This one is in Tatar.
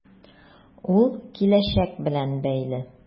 Ул киләчәк белән бәйле.